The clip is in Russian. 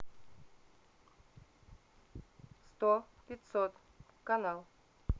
сто пятьсот канал